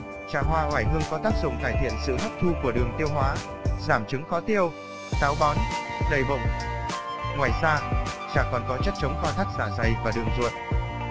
trà hoa oải hương có tác dụng cải thiện sự hấp thu của đường tiêu hóa giảm chứng khó tiêu táo bón đầy bụng ngoài ra trà còn có chất chống co thắt dạ dày và đường ruột